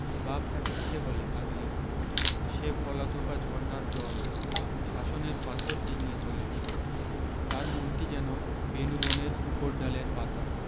বাপ তাকে হেসে বলে পাগলি সে পলাতকা ঝরনার জল শাসনের পাথর ডিঙ্গিয়ে চলে তার মনটি যেন বেনূবনের উপরডালের পাতা